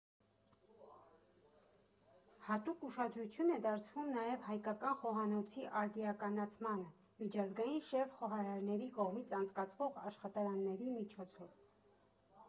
Հատուկ ուշադրություն է դարձվում նաև հայկական խոհանոցի արդիականացմանը՝ միջազգային շեֆ խոհարարների կողմից անցկացվող աշխատարանների միջոցով։